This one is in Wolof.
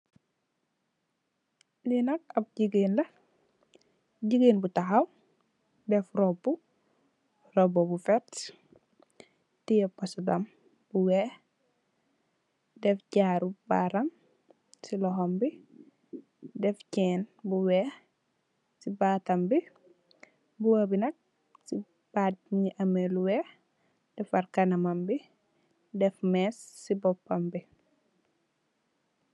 Lii nak am jigeen la, jigeen bu taxaw, def robbu, robbu bu vert, tiye poset tam bu weex, def jaaru baaram si loxom bi, def ceen bu weex, si baatam bi, mbuba bi nak si baat bi mingi ame lu weex, dafare kanam, def mees si bopam bi.